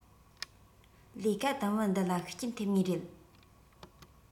ལས ཀ དུམ བུ འདི ལ ཤུགས རྐྱེན ཐེབས ངེས རེད